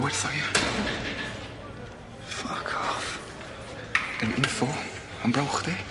Yli, na'i neud o werth o ia? Ffyc off. Gen fi info, am braw' chdi.